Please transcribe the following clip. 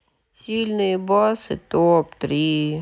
сильные басы топ три